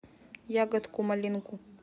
ягодку малинку